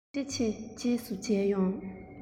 ཐུགས རྗེ ཆེ རྗེས སུ མཇལ ཡོང